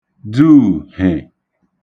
duù hè